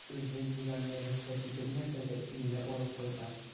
Үзе җыйганны рөхсәт ителмәсә дә өенә алып кайта.